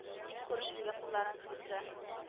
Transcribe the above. - дип күрешергә кулларын сузды